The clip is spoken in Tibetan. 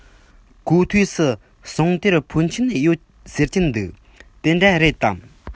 གོ ཐོས སུ ཟངས གཏེར འཕོན ཆེན ཡོད ཟེར གྱི འདུག དེ འདྲ རེད དམ